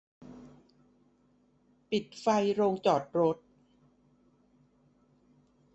ปิดไฟโรงจอดรถ